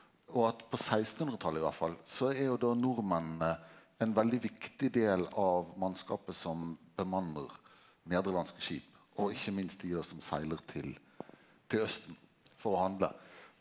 og at på sekstenhundretalet iallfall så er jo då nordmennene ein veldig viktig del av mannskapet som bemannar nederlandske skip og ikkje minst dei då som seglar til til Austen for å handle.